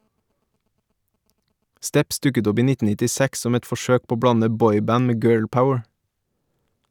Steps dukket opp i 1996 som et forsøk på å blande boyband med girlpower.